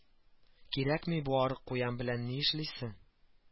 Кирәкми бу арык куян белән ни эшлисең